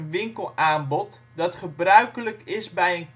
winkelaanbod dat gebruikelijk is bij